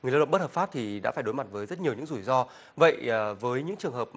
người lao động bất hợp pháp thì đã phải đối mặt với rất nhiều những rủi ro vậy với những trường hợp